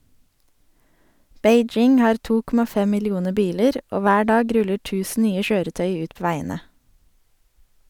Beijing har 2,5 millioner biler, og hver dag ruller 1000 nye kjøretøy ut på veiene.